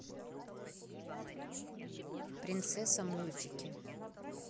принцесса мультики